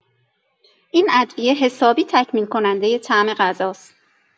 این ادویه حسابی تکمیل‌کنندۀ طعم غذاست.